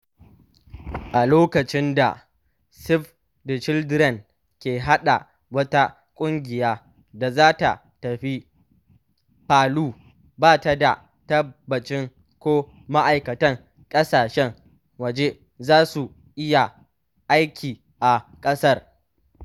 A lokacin da Save the Children ke haɗa wata ƙungiya da za ta tafi Palu, ba ta da tabbacin ko ma’aikatan ƙasashen waje za su iya aiki a ƙasar.